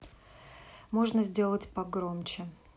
можно сделать погромче